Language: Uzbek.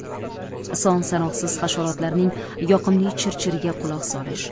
son sanoqsiz hasharotlarning yoqimli chirchiriga quloq solish